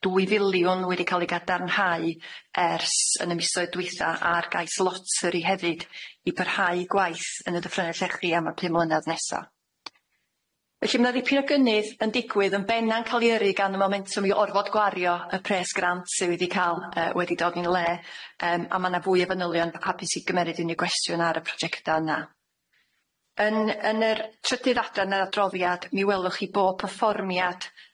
dwy filiwn wedi ca'l i gadarnhau ers yn y misoedd dwitha' ar gais loteri hefyd i parhau gwaith yn y dyffrynnau llechi am y pum mlynadd nesa. Felly ma' 'na ddipyn o gynnydd yn digwydd yn benna'n ca'l i yrru gan y momentwm i orfod gwario y pres grant sydd wedi ca'l yy wedi dod yn ei le yym on' ma' 'na fwy o fanylion, hapus i gymeryd unryw gwestiwn ar y projecta yna. Yn yn yr trydydd adran yr adroddiad mi welwch chi bo perfformiad